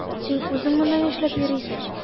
Син үзең монда нишләп йөрисең?